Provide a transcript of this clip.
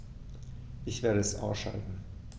Ich werde es ausschalten